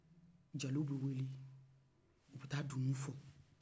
jeliw bɛ wele u bɛ taa dunun fɔ